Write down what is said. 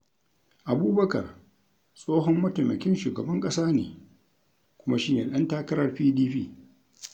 Abubakar tsohon mataimakin shugaban ƙasa ne kuma shi ne ɗan takarar PDP.